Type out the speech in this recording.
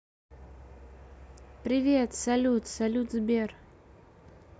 привет салют салют сбер